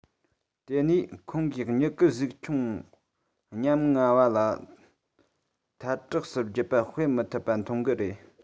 དེ ནས ཁོང གིས མྱུ གུ གཟུགས ཆུང ཉམ ང བ ལ ཐལ དྲགས སུ རྒྱུད པ སྤེལ མི ཐུབ པ མཐོང གི རེད